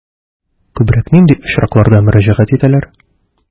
Күбрәк нинди очракларда мөрәҗәгать итәләр?